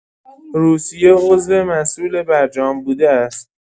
روسیه عضو مسوول برجام بوده است.